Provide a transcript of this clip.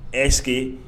Ɛseke